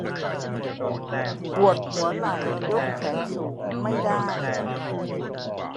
ปวดหัวไหล่ยกแขนสูงไม่ได้